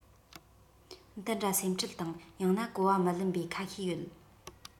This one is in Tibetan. འདི འདྲ སེམས ཁྲལ དང ཡང ན གོ བ མི ལེན པའི ཁ ཤས ཡོད